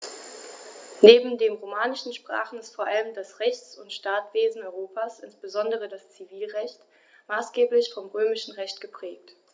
Neben den romanischen Sprachen ist vor allem das Rechts- und Staatswesen Europas, insbesondere das Zivilrecht, maßgeblich vom Römischen Recht geprägt.